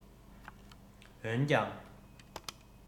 འོན ཀྱང